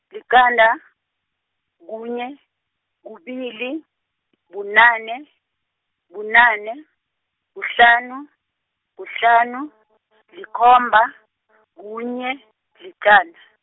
liqanda, kunye, kubili , bunane, bunane, kuhlanu, kuhlanu, likhomba, kunye, liqanda.